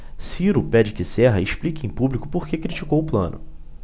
ciro pede que serra explique em público por que criticou plano